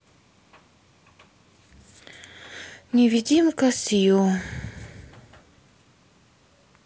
невидимка сью